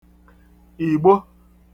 ìgbo